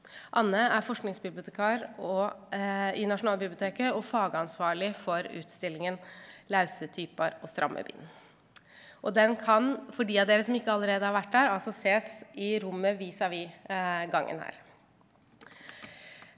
Anne er forskningsbibliotekar og i Nasjonalbiblioteket og fagansvarlig for utstillingen Lause typer og stramme bind og den kan for de av dere som ikke allerede har vært der altså ses i rommet vis-a-vis gangen her.